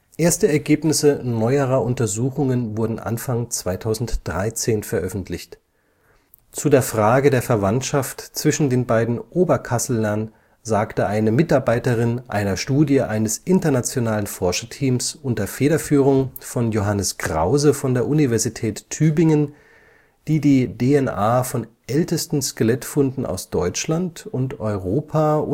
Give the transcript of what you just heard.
Erste Ergebnisse neuerer Untersuchungen wurden Anfang 2013 veröffentlicht. Zu der Frage der Verwandtschaft zwischen den beiden Oberkasselern sagte eine Mitarbeiterin einer Studie eines internationalen Forscherteams unter Federführung von Johannes Krause von der Universität Tübingen, die die DNA von ältesten Skelettfunden aus Deutschland und Europa